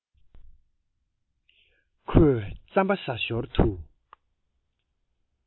ཁོས རྩམ པ བཟའ ཞོར དུ